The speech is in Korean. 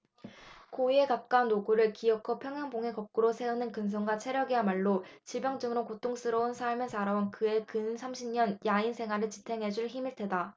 고희에 가까운 노구를 기어코 평행봉에 거꾸로 세우는 근성과 체력이야말로 질병 등으로 고통스런 삶을 살아온 그의 근 삼십 년 야인 생활을 지탱해준 힘일 테다